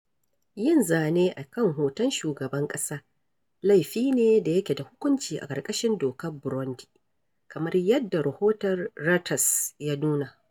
Yin zane [a kan hoton shugaban ƙasa] laifi ne da yake da hukunci a ƙarƙashin dokar Burundi, kamar yadda rahoton Reuters ya nuna.